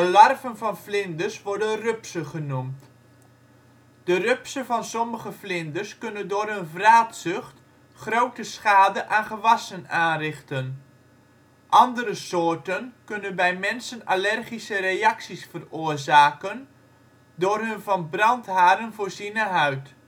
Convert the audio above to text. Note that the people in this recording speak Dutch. larven van vlinders worden rupsen genoemd. De rupsen van sommige vlinders kunnen door hun vraatzucht grote schade aan gewassen aanrichten. Andere soorten kunnen bij mensen allergische reacties veroorzaken door hun van brandharen voorziene huid